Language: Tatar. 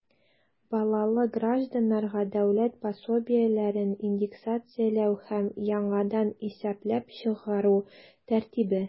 Балалы гражданнарга дәүләт пособиеләрен индексацияләү һәм яңадан исәпләп чыгару тәртибе.